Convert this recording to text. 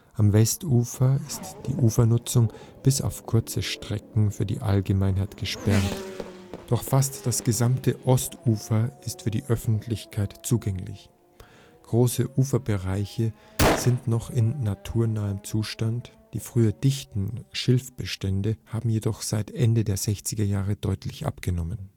Am Westufer ist der Uferzugang bis auf kurze Strecken für die Allgemeinheit gesperrt, doch fast das gesamte Ostufer ist für die Öffentlichkeit zugänglich. Große Uferbereiche sind noch in naturnahem Zustand, die früher dichten Schilfbestände haben jedoch seit Ende der Sechzigerjahre deutlich abgenommen